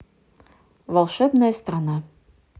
волшебная страна